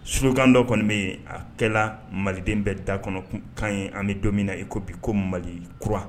Surkan dɔ kɔni bɛ yen akɛla maliden bɛ da kɔnɔkan an bɛ don min na e ko bi ko mali kura